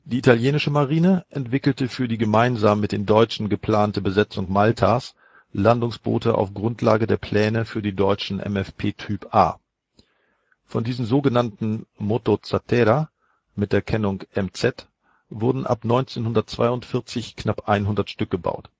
italienische Marine entwickelte für die gemeinsam mit den Deutschen geplante Besetzung Maltas Landungsboote auf Grundlage der Pläne für die deutschen MFP Typ A. Von diesen „ Motozattera “mit der Kennung „ MZ “wurden ab 1942 knapp 100 Stück gebaut